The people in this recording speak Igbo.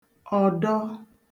ọ̀dọ